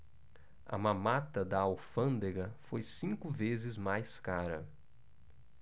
a mamata da alfândega foi cinco vezes mais cara